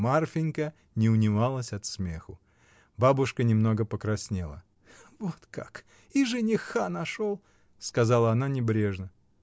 Марфинька не унималась от смеху. Бабушка немного покраснела. — Вот как: и жениха нашел! — сказала она небрежно.